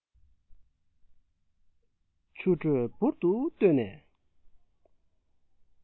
མཆུ སྒྲོས འབུར ཏུ བཏོད ནས